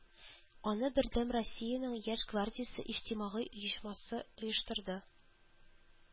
Аны Бердәм Россиянең яшь гвардиясе иҗтимагый оешмасы оештырды